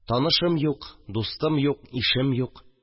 Танышым юк, дустым юк, ишем юк